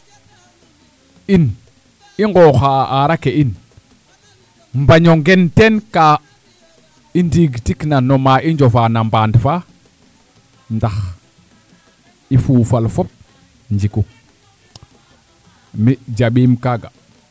in i nqooxaa aaraa ke in bañ o nqen teen kaa i ndiigtikna no kaa i njofaa no mbaan faa ndax i fuufal fop njiku mi jaɓiim kaaga